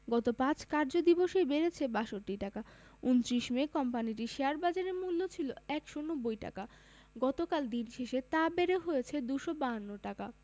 গত ৫ কার্যদিবসেই বেড়েছে ৬২ টাকা ২৯ মে কোম্পানিটির শেয়ারের বাজারমূল্য ছিল ১৯০ টাকা গতকাল দিন শেষে তা বেড়ে হয়েছে ২৫২ টাকা